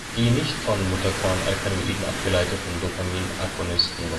Die nicht von Mutterkornalkaloiden abgeleiteten Dopaminagonisten Ropinirol